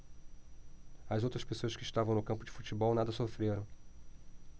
as outras pessoas que estavam no campo de futebol nada sofreram